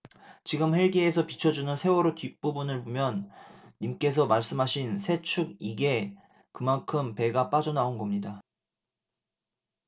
지금 헬기에서 비춰주는 세월호 뒷부분을 보면 님께서 말씀하신 세 축 이게 그만큼 배가 빠져나온 겁니다